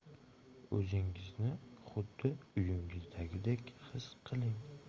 o'zingizni xuddi uyingizdagidek xis qiling